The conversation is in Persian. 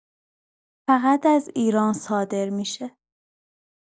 فقط از ایران صادر می‌شه